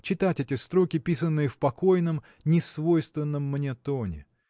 читать эти строки, писанные в покойном, несвойственном мне тоне?